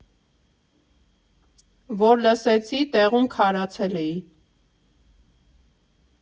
Որ լսեցի՝ տեղում քարացել էի։